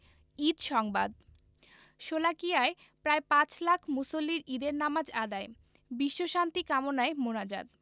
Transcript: ঈদ সংবাদ শোলাকিয়ায় প্রায় পাঁচ লাখ মুসল্লির ঈদের নামাজ আদায় বিশ্বশান্তি কামনায় মোনাজাত